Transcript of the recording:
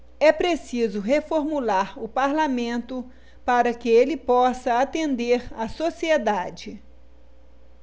é preciso reformular o parlamento para que ele possa atender a sociedade